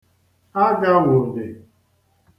agàwòlè